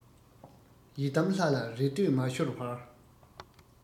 ཡི དམ ལྷ ལ རེ ལྟོས མ ཤོར བར